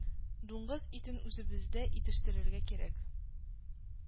Дуңгыз итен үзебездә итештерергә кирәк